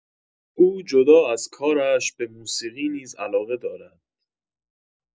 او جدا از کارش، به موسیقی نیز علاقه دارد.